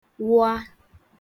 wụa